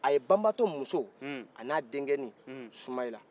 banbatɔ muso an ' a denkɛni sumahila